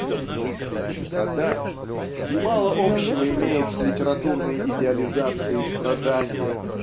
чтоб мыслить и страдать" мало общего имеет с литературной идеализацией страдания